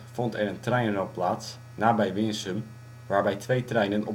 treinramp plaats nabij Winsum waarbij twee treinen